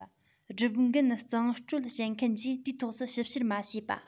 སྒྲུབ འགན གཙང སྤྲོད བྱེད མཁན གྱིས དུས ཐོག ཏུ ཞིབ བཤེར མ བྱས པ